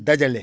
dajale